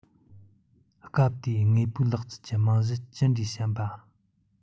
སྐབས དེའི དངོས པོའི ལག རྩལ གྱི རྨང གཞི ཅི འདྲའི ཞན པ